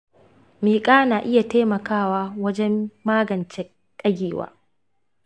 miƙa na iya taimakawa wajen magance ƙagewa